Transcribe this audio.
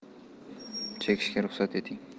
chekishga ruxsat eting